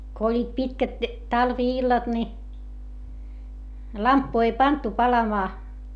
kun olivat pitkät talvi-illat niin lamppua ei pantu palamaan